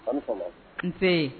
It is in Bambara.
Nse